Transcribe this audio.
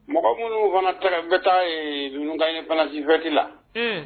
Mɔgɔ minnu fana taga bɛ taa ye ninnukanɲɛ fana sinfeti la